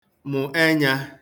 mụ̀ ẹnya